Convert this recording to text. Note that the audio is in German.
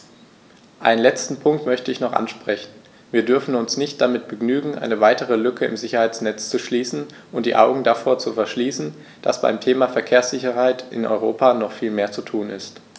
Einen letzten Punkt möchte ich noch ansprechen: Wir dürfen uns nicht damit begnügen, eine weitere Lücke im Sicherheitsnetz zu schließen und die Augen davor zu verschließen, dass beim Thema Verkehrssicherheit in Europa noch viel mehr zu tun ist.